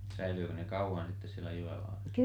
säilyikö ne kauan sitten siellä jyvälaarissa